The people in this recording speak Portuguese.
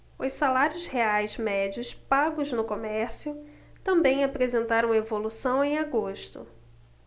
os salários reais médios pagos no comércio também apresentaram evolução em agosto